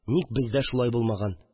Ник бездә шулай булмаган